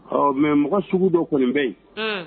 Ɔ mɛ mɔgɔ sugu dɔ kɔni bɛ yen